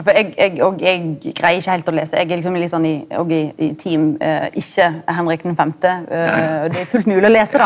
for eg eg og eg greier ikkje heilt å lese eg er liksom litt sånn i og i i team ikkje Henrik den femte og det er fullt mogleg å lese det.